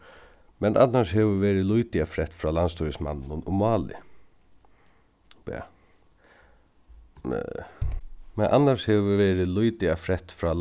men annars hevur verið lítið at frætt frá landsstýrismanninum um málið bíða men annars hevur verið lítið at frætt frá